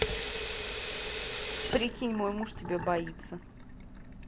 прикинь мой муж тебя боится